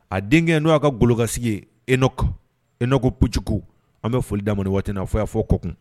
A deŋɛ n'o y'a ka golokansigi ye Enoch Enoch Poudjougou an be foli d'a ma nin waati in na fɔ yan fɔ Kɔkun